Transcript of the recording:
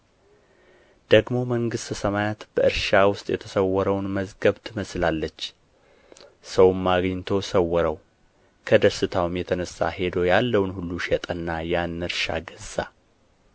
ደግሞ መንግሥተ ሰማያት በእርሻ ውስጥ የተሰወረውን መዝገብ ትመስላለች ሰውም አግኝቶ ሰወረው ከደስታውም የተነሣ ሄዶ ያለውን ሁሉ ሸጠና ያን እርሻ ገዛ